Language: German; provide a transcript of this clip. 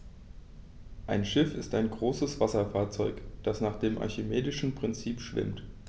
Ein Schiff ist ein größeres Wasserfahrzeug, das nach dem archimedischen Prinzip schwimmt.